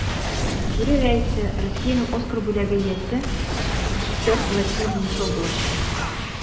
Жюри рәисе Россиянең Оскар бүләге иясе режиссер Владимир Меньшов булачак.